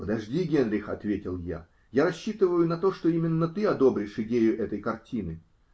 -- Подожди, Генрих, -- ответил я, -- я рассчитываю на то, что именно ты одобришь идею этой картины.